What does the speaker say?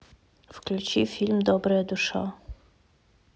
включи фильм добрая душа